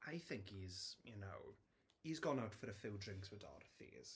I think he's, you know... he's gone out for a few drinks with Dorothy's.